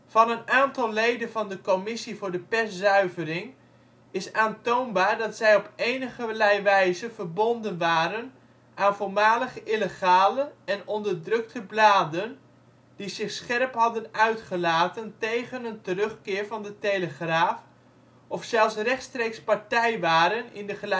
Van een aantal leden van de Commissie voor de Perszuivering is aantoonbaar dat zij op enigerlei wijze verbonden waren aan voormalige illegale en onderdrukte bladen die zich scherp hadden uitgelaten tegen een terugkeer van De Telegraaf of zelfs rechtstreeks partij waren in de gelijktijdig